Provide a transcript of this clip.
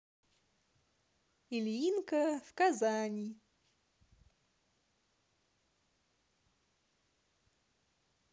ильинка в казани